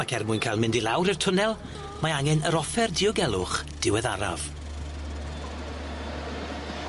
Ac er mwyn ca'l mynd i lawr i'r twnnel mae angen yr offer diogelwch diweddaraf.